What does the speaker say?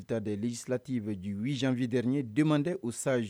Uta da lisiti'i fɛ ji u zzvdr ye den de o sanz